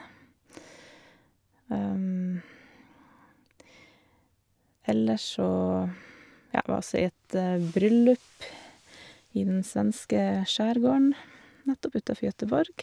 Ellers så, ja, var oss i et bryllup i den svenske skjærgården, nettopp, utenfor Göteborg.